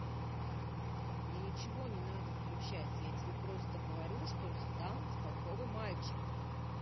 мне ничего не надо включать я тебе просто говорю что руслан бестолковый мальчик